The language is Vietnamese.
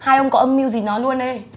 hai ông có âm mưu gì nói luôn đi